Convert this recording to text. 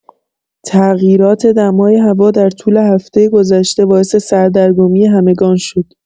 تغیرات دمای هوا در طول هفته گذشته باعث سردرگمی همگان شد.